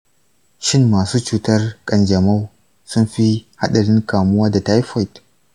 shin masu cutar kanjamau sun fi haɗarin kamuwa da taifoid?